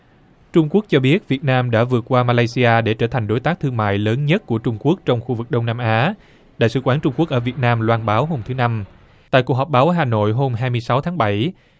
trung quốc cho biết việt nam đã vượt qua ma lay si a để trở thành đối tác thương mại lớn nhất của trung quốc trong khu vực đông nam á đại sứ quán trung quốc ở việt nam loan báo hôm thứ năm tại cuộc họp báo hà nội hôm hai mươi sáu tháng bảy